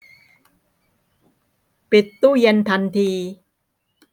ปิดตู้เย็นทันที